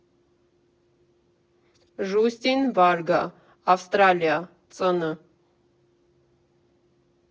Ժուստին Վարգա (Ավստրալիա, ծն.